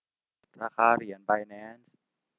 ราคาเหรียญไบแนนซ์